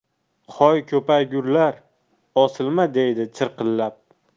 hoy ko'paygur osilma deydi chirqillab